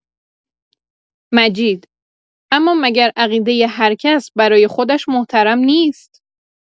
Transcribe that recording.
مجید: اما مگر عقیدۀ هر کس برای خودش محترم نیست؟